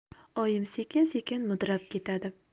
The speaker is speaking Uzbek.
oyim sekin sekin mudrab ketadi